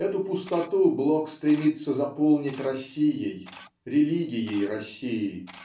Эту пустоту Блок стремится заполнить Россией, религией России.